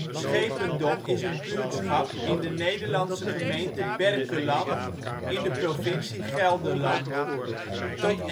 Schependom is een buurtschap in de Nederlandse gemeente Berkelland in de provincie Gelderland. Tot